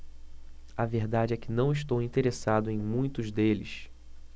a verdade é que não estou interessado em muitos deles